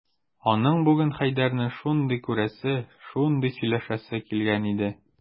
Аның бүген Хәйдәрне шундый күрәсе, шундый сөйләшәсе килгән иде...